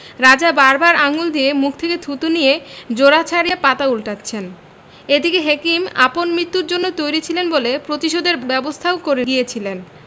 রাজা বার বার আঙুল দিয়ে মুখ থেকে থুথু নিয়ে জোড়া ছাড়িয়ে পাতা উল্টাচ্ছেন এদিকে হেকিম আপন মৃত্যুর জন্য তৈরি ছিলেন বলে প্রতিশোধের ব্যবস্থাও করে গিয়েছিলেন